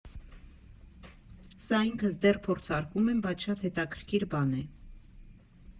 Սա ինքս դեռ փորձարկում եմ, բայց շատ հետաքրքիր բան է։